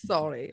Sori.